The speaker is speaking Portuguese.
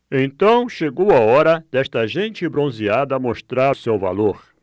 então chegou a hora desta gente bronzeada mostrar seu valor